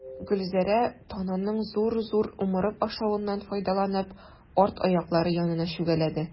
Гөлзәрә, тананың зур-зур умырып ашавыннан файдаланып, арт аяклары янына чүгәләде.